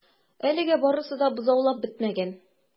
Әлегә барысы да бозаулап бетмәгән.